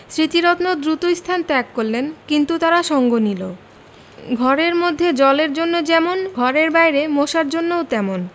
স্মৃতিরত্ন দ্রুত স্থান ত্যাগ করলেন কিন্তু তারা সঙ্গ নিলে ঘরের মধ্যে জলের জন্য যেমন ঘরের বাইরে মশার জন্য তেমন